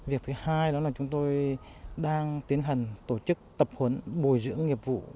việc thứ hai đó là chúng tôi đang tiến hành tổ chức tập huấn bồi dưỡng nghiệp vụ